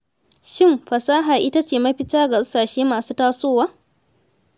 Shin fasaha ita ce mafita ga ƙasashe masu tasowa?